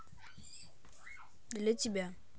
для тебя